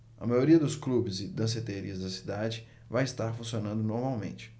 a maioria dos clubes e danceterias da cidade vai estar funcionando normalmente